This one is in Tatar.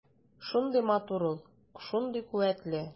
Шундый матур ул, шундый куәтле.